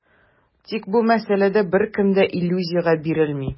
Тик бу мәсьәләдә беркем дә иллюзиягә бирелми.